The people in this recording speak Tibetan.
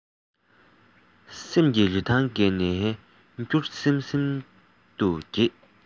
སེམས ཀྱི རི ཐང བརྒལ ནས སྐྱུར སིབ སིབ ཏུ གྱེས